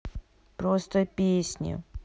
просто песни